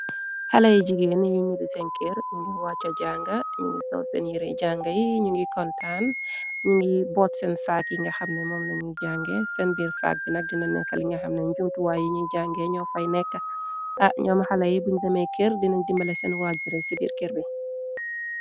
Xala yi jigéen yi ñudi seen kër, ñu ngir wàacca jànga, ñu ngi sol seen yiri jànga yi, ñu ngi kontaan , ñu ngiy boot seen saak yi nga xamna moom nañuy jànge. Seen biir saak bi nag dina nekka li nga xamna ñu jumtuwaay yi ñuy jàngee ñoo fay nekkñooma, xala yi buñ demay kër dina dimbale seen waajare ci biir kër bi.